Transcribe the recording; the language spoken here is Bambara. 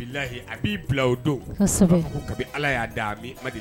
bi laahi a b'i bila o don, kosɛbɛ, i b'a fɔ ka bini alla y'a dan, a ma deli